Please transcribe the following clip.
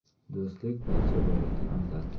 do'stlik barcha boylikdan afzal